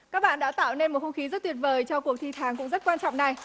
các bạn đã tạo nên một không khí rất tuyệt vời cho cuộc thi tháng cũng rất quan trọng này